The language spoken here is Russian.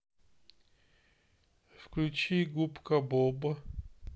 включи губка боб